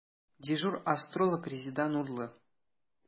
Дежур астролог – Резеда Нурлы.